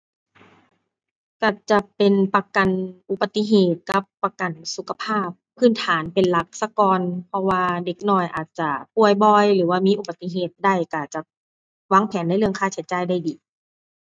ก็จะเป็นประกันอุบัติเหตุกับประกันสุขภาพ พื้นฐานเป็นหลักซะก่อน เพราะว่าเด็กน้อยอาจจะป่วยบ่อยหรือว่ามีอุบัติเหตุได้ ก็จะวางแผนในเรื่องค่าใช้จ่ายได้ดี